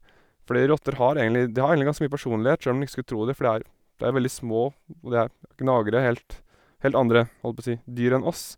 Fordi rotter, har egentlig de har egentlig ganske mye personlighet, sjøl om du ikke skulle tro det, for det er det er veldig små, og de er gnagere, helt helt andre, holdt på å si, dyr enn oss.